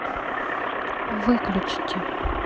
выключите